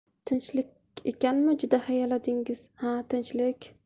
tinchlik ekanmi juda hayalladingiz ha tinchlik